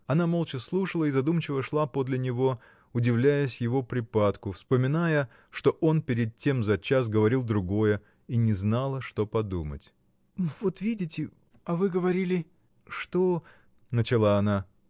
Она молча слушала и задумчиво шла подле него, удивляясь его припадку, вспоминая, что он перед тем за час говорил другое, и не знала, что подумать. — Вот видите, а вы говорили. что. — начала она.